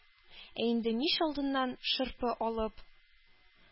Ә инде мич алдыннан шырпы алып